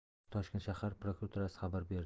bu haqda toshkent shahar prokuraturasi xabar berdi